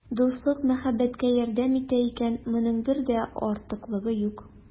Дуслык мәхәббәткә ярдәм итә икән, моның бер дә артыклыгы юк.